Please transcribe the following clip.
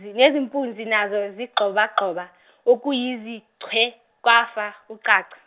nezimpunzi nazo zigxobagxoba okuyizichwe, kwafa ucaca.